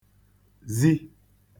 zi